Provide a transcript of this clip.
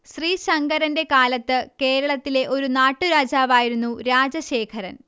ശ്രീശങ്കരന്റെ കാലത്ത് കേരളത്തിലെ ഒരു നാട്ടു രാജാവായിരുന്നു രാജശേഖരൻ